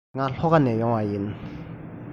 ང ལྷོ ཁ ནས ཡོང པ ཡིན